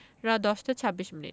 রাত ১০টা ২৬ মিনিট